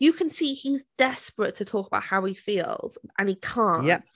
You can see he's desperate to talk about how he feels, and he can't... Yep.